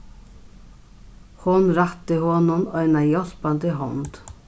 hon rætti honum eina hjálpandi hond